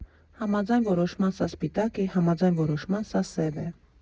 Համաձայն որոշման սա սպիտակ է, համաձայն որոշման սա սև է։